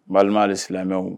Balimaale silamɛmɛw